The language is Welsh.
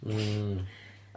Hmm.